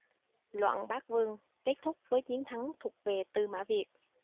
loạn bát vương kết thúc với chiến thắng thuộc về tư mã việt